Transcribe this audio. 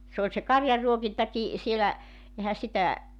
se oli se karjanruokintakin siellä eihän sitä